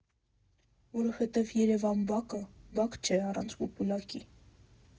Որովհետև երևանյան բակը բակ չէ առանց պուլպուլակի։